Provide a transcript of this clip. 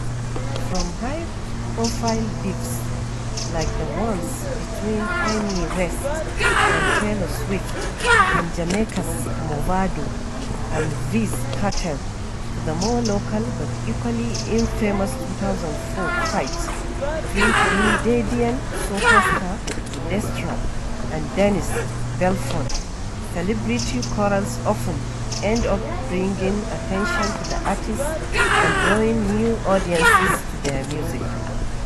From high-profile beefs like the ones between Kanye West and Taylor Swift and Jamaica's Mavado and Vybz Kartel, to the more local but equally infamous 2004 fight between Trinidadian soca stars Destra and Denise Belfon, celebrity quarrels often end up bringing attention to the artists and drawing new audiences to their music.